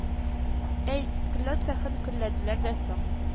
Әй, көлләү цехын көлләделәр дә соң